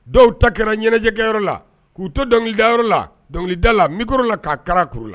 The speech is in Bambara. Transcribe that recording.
Dɔw ta kɛra ɲɛnajɛkɛyɔrɔ la k'u to dɔnkilidayɔrɔ la dɔnkilida la micro la k'a kar'a kuru la